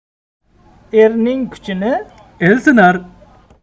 erning kuchini el sinar